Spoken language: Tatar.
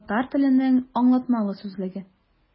Татар теленең аңлатмалы сүзлеге.